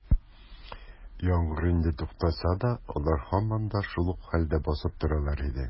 Яңгыр инде туктаса да, алар һаман да шул ук хәлдә басып торалар иде.